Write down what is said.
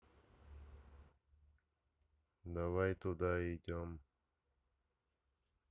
давай туда идем